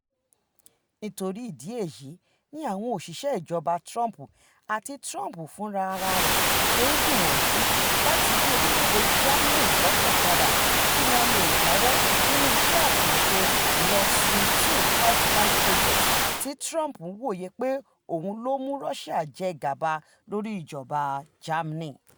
Nítorí ìdí èyí ni àwọn òṣìṣẹ́ Ìjọba Trump àti Trump fúnra rẹ̀ ṣe ń gbìyànjú láti yí orílẹ̀èdè Germany lọ́kàn padà kí wọ́n lè jáwọ́ nínú iṣẹ́ àkànṣè Nord Stream 2 pipeline project tí Trump wòye pé òun ló mú Russia jẹ gàba lórí ìjọba Germany.